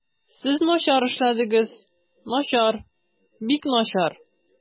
Сез начар эшләдегез, начар, бик начар.